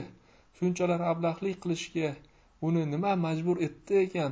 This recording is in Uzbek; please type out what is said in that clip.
shunchalar ablahlik qilishga uni nima majbur etdi ekan